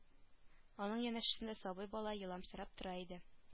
Аның янәшәсендә сабый бала еламсырап тора иде